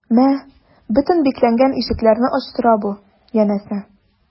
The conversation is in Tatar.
Мә, бөтен бикләнгән ишекләрне ачтыра бу, янәсе...